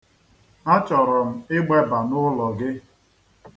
Achọrọ m igbeba n'ụlọ gị.